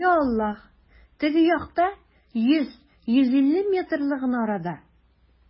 Йа Аллаһ, теге якта, йөз, йөз илле метрлы гына арада!